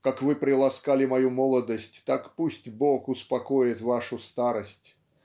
Как Вы приласкали мою молодость, так пусть Бог успокоит Вашу старость